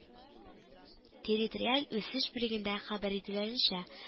Территориаль үсеш бүлегендә хәбәр итүләренчә